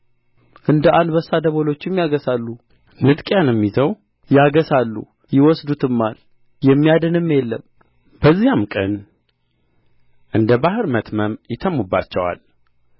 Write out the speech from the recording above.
እንደ አንበሳ ደቦሎችም ያገሣሉ ንጥቂያንም ይዘው ያገሣሉ ይወስዱትማል የሚያድንም የለም በዚያም ቀን እንደ ባሕር መትመም ይተምሙባቸዋል